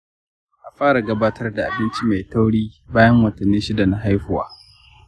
a fara gabatar da abinci mai tauri bayan watanni shida na haihuwa.